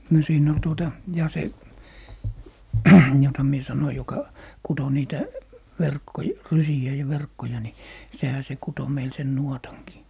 no siinä oli tuota ja se jota minä sanoin joka kutoi niitä - rysiä ja verkkoja niin sehän se kutoi meille sen nuotankin